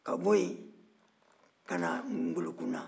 ka bɔ yen ka na ngolokuna